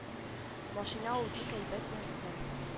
Машина ул бик әйбәт нәрсә